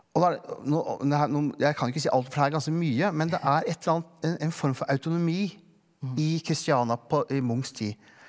jeg kan ikke si alt for det er ganske mye men det er et eller annet en form for autonomi i Kristiania på i Munchs tid.